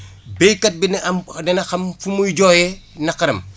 béykat bi na am dana xam fu muy jooyee naqaram